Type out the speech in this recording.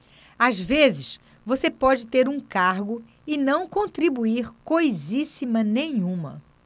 às vezes você pode ter um cargo e não contribuir coisíssima nenhuma